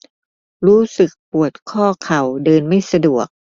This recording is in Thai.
รู้สึกปวดข้อเข่าเดินไม่สะดวก